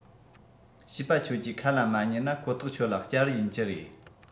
བྱིས པ ཁྱོད ཀྱིས ཁ ལ མ ཉན ན ཁོ ཐག ཁྱོད ལ གཅར ཡིན གྱི རེད